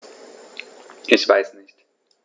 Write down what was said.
Ich weiß nicht.